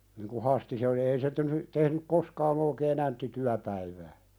niin kun Hasti se oli ei se tehnyt tehnyt koskaan oikein jämtti työpäivää